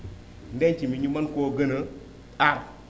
ndenc mi ñu mën koo gën a aar